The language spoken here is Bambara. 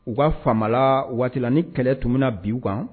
U ka faama waatila ni kɛlɛ tun bɛ na bi u kan